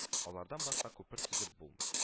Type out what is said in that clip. Алардан башка күпер төзеп булмый